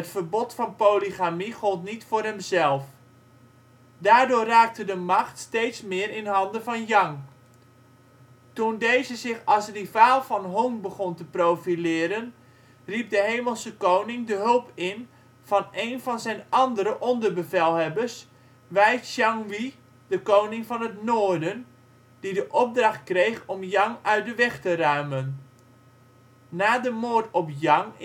verbod van polygamie gold niet voor hemzelf). Daardoor raakte de macht steeds meer in de handen van Yang. Toen deze zich als rivaal van Hong begon te profileren, riep de Hemelse Koning de hulp in van een van zijn andere onderbevelhebbers, Wei Changhui, de Koning van het Noorden, die de opdracht kreeg om Yang uit de weg te ruimen. Na de moord op Yang